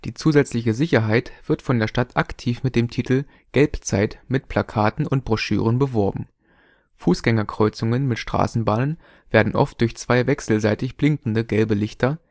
zusätzliche Sicherheit wird von der Stadt aktiv mit dem Titel „ Gelb-Zeit “mit Plakaten und Broschüren beworben. Fußgängerkreuzungen mit Straßenbahnen werden oft durch zwei wechselseitig blinkende gelbe Lichter